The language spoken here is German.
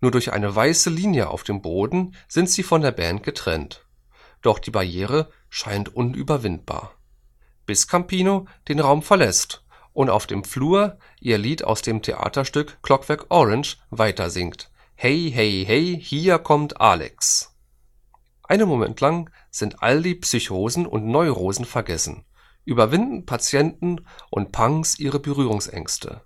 durch eine weiße Linie auf dem Boden sind sie von der Band getrennt, doch die Barriere scheint unüberwindbar. Bis Campino den Raum verläßt und auf dem Flur ihr Lied aus dem Theaterstück ‚ Clockwork Orange ‘weiter singt: ‚ Hey, hey, hey, hier kommt Alex. ‘Einen Moment lang sind all die Psychosen und Neurosen vergessen, überwinden Patienten und Punks ihre Berührungsängste